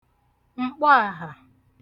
m̀kpọàhà